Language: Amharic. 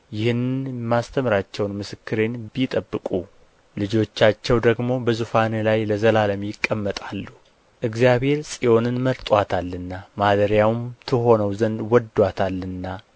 ይህንም የማስተምራቸውን ምስክሬን ቢጠብቁ ልጆቻቸው ደግሞ በዙፋንህ ላይ ለዘላለም ይቀመጣሉ እግዚአብሔር ጽዮንን መርጦአታልና ማደሪያውም ትሆነው ዘንድ ወድዶአታልና